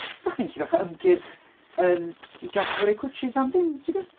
'Sech chdi'n gallu dechrau ymgyrch yym i gael pobl i roi cwtshys am ddim tibod.